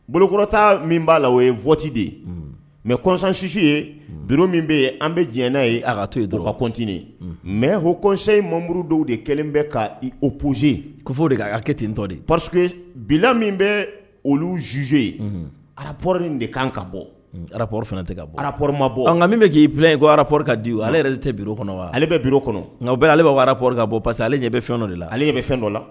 Bolokokɔrɔta min b'a la o ye fti de ye mɛ kɔnsansu ye bi min bɛ yen an bɛ diɲɛ n'a ye a ka to ye duka kɔntinin ye mɛ h kɔnsan in mamuru dɔw de kɛlen bɛ ka o pzse ko fɔ de'' kɛ ten tɔ de pase bila min bɛ oluzo ye arapɔ de kan ka bɔ arapo fana tɛ ka bɔ araɔma bɔ an ka min bɛ k'i bila ye ko arapkan di wa ale yɛrɛ de tɛ bi kɔnɔ wa ale bɛ bi kɔnɔ nka ale bɛ araɔɔri bɔ pa parce que ale ɲɛ bɛ fɛn dɔ de la ale ɲɛ bɛ fɛn dɔ la